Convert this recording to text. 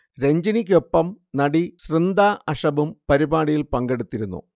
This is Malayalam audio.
രഞ്ജിനിയ്ക്കൊപ്പം നടി സൃന്ദ അഷബും പരിപാടിയിൽ പങ്കെടുത്തിരുന്നു